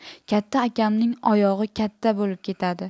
katta akamning oyog'i katta bo'lib ketadi